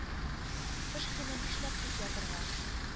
Кыш көне нишләп тик ятарга?